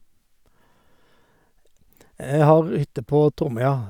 Jeg har hytte på Tromøya.